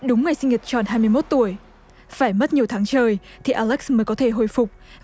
đúng ngày sinh nhật tròn hai mươi mốt tuổi phải mất nhiều tháng trời thì a lếch mới có thể hồi phục